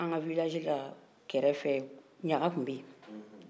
an ka village la kɛrɛfɛ ɲaga tun bɛ yen